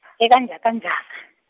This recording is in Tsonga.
eka Njhakanjhaka.